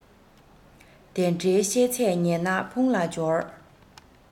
དེ འདྲའི བཤད ཚད ཉན ན ཕུང ལ སྦྱོར